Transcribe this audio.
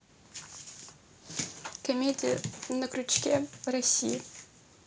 комедия на крючке россия